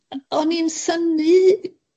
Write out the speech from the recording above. O'n i'n synnu